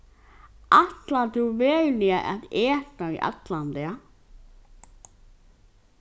ætlar tú veruliga at eta í allan dag